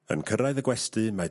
Yn cyrraedd y gwesty mae...